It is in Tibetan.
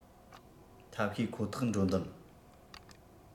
ཐབས ཤེས ཁོ ཐག འགྲོ འདོད